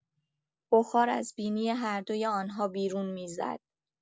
بخار از بینی هر دوی آن‌ها بیرون می‌زد.